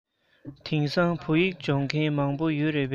དེང སང བོད ཡིག སྦྱོང མཁན མང པོ ཡོད རེད པས